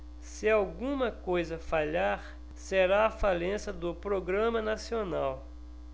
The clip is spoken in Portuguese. se alguma coisa falhar será a falência do programa nacional